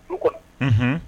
Du kɔnɔ, unhun